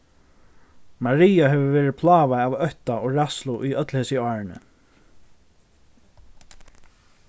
maria hevur verið plágað av ótta og ræðslu í øll hesi árini